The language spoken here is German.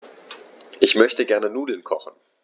Ich möchte gerne Nudeln kochen.